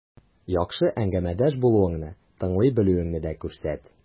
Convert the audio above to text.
Яхшы әңгәмәдәш булуыңны, тыңлый белүеңне дә күрсәт.